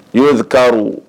Ɲɔo taa